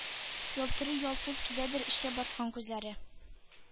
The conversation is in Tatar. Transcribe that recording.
Ялтырый, ялт-йолт киләдер эчкә баткан күзләре,